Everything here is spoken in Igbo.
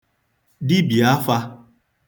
dibịà afā